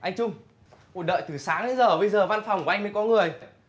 anh trung ngồi đợi từ sáng đến giờ bây giờ văn phòng của anh mới có người